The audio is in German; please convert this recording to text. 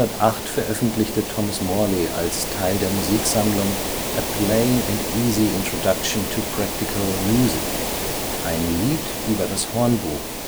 1608 veröffentlichte Thomas Morley als Teil der Musiksammlung A Plaine and easie Introduction to Practical Musicke… ein Lied über das Hornbuch